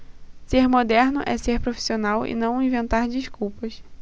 ser moderno é ser profissional e não inventar desculpas